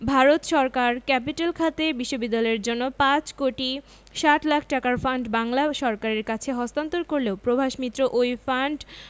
ভারত সরকার ক্যাপিটেল খাতে বিশ্ববিদ্যালয়ের জন্য ৫ কোটি ৬০ লাখ টাকার ফান্ড বাংলা সরকারের কাছে হস্তান্তর করলেও প্রভাস মিত্র ওই ফান্ড